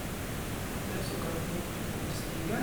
Det er en såkalt våttkortstige.